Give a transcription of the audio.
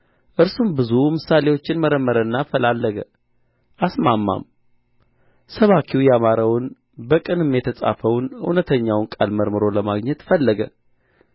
እርሱም ብዙ ምሳሌዎችን መረመረና ፈላለገ አስማማም ሰባኪው ያማረውን በቅንም የተጻፈውን እውነተኛውን ቃል መርምሮ ለማግኘት ፈለገ